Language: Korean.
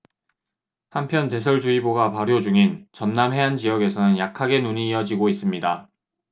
한편 대설주의보가 발효 중인 전남 해안 지역에서는 약하게 눈이 이어지고 있습니다